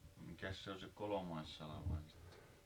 no mikäs se oli se kolmas salvain sitten